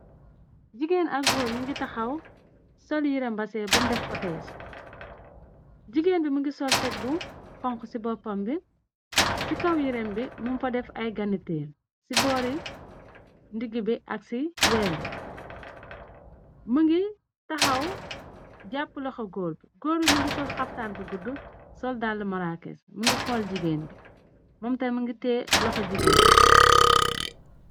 Goor ak jigeen nyi ngi taxaw, sol yire mbase bunj def otes, jigeen bi mingi sol teg bu xonxu si boppam bi, si kaw yirem bi mung fa def, ay ganitir si boori ndigge bi ak si wen bi, mingi taxaw jappu loxo goor bi, goor bi mingi sol xaftaan bu guddu, sol daali marakis, mingi xool jigeen bi, mom tam mingi tiye loxo jigeen bi.